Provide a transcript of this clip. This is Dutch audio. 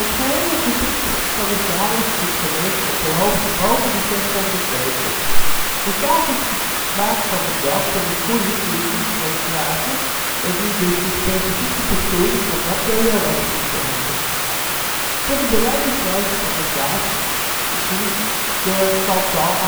gehele gebied van de Salers is gelegen op een hoogte boven de 600 meter. De kaas is gemaakt van de melk van de koeien die in die streek grazen en die dus de specifieke begroeing van dat milieu als voedsel hebben. Voor de bereidingswijze van de kaas: zie de Cantal AOC